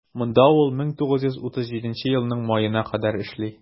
Монда ул 1937 елның маена кадәр эшли.